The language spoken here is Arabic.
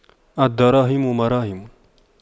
الدراهم مراهم